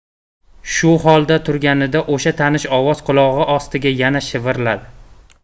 shu holda turganida o'sha tanish ovoz qulog'i ostida yana shivirladi